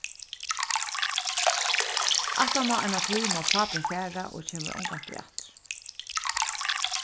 aftan á eina tíð má pápin fara og kemur ongantíð aftur